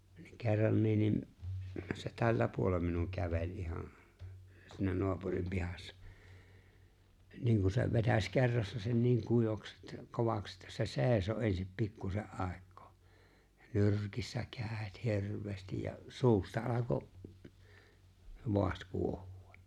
niin kerrankin niin se tällä puolen minun käveli ihan siinä naapurin pihassa niin kun se vetäisi kerrassa sen niin kuivaksi että kovaksi että se seisoi ensin pikkuisen aikaa nyrkissä kädet hirveästi ja suusta alkoi vaahto kuohua